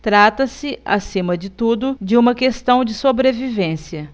trata-se acima de tudo de uma questão de sobrevivência